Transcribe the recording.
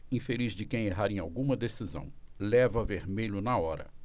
infeliz de quem errar em alguma decisão leva vermelho na hora